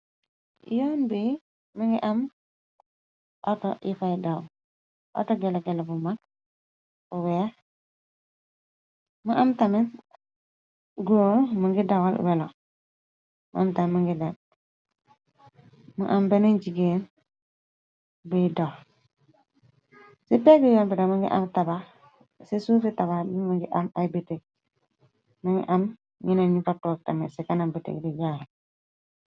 yoon bi mëngi am ato i fay daw auto gelo gela bu mag oweex më am tami gór më ngi dawal welo montau am benn jigéen biy dox ci pegg yoon biro më ngi am tabax ci suufi tabax bi mu ngi am ay bitig më ngi am ñina ñu fatook tami ci kanam bitik ri jaare